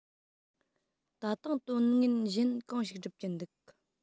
ད དུང དོན ངན གཞན གང ཞིག སྒྲུབ ཀྱིན འདུག